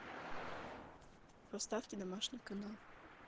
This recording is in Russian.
поставьте домашний канал